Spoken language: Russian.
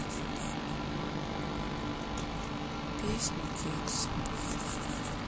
песня кекс